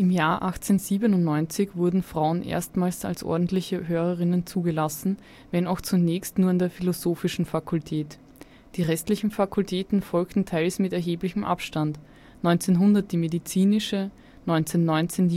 Jahr 1897 wurden Frauen erstmals als ordentliche Hörerinnen zugelassen, wenn auch zunächst nur an der philosophischen Fakultät. Die restlichen Fakultäten folgten teils mit erheblichem Abstand: 1900 die medizinische, 1919